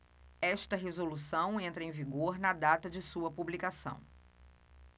esta resolução entra em vigor na data de sua publicação